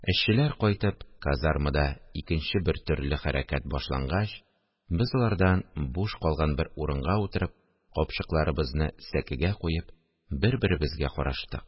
Эшчеләр кайтып, казармада икенче бертөрле хәрәкәт башлангач, без алардан буш калган бер урынга утырып, капчыкларыбызны сәкегә куеп, бер-беребезгә караштык